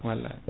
wallay